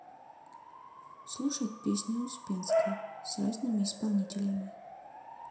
слушать песни успенской с разными исполнителями